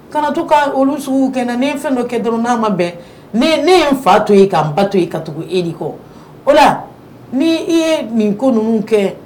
Kana to ka olu sugu kɛ ni fɛn dɔ kɛ duuru n' ma bɛn ne ye n fa to ye ka' n ba to ye ka tugu e ni kɔ o la ni i ye nin ko ninnu kɛ